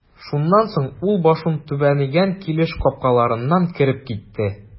Шуннан соң ул башын түбән игән килеш капкаларыннан кереп китте.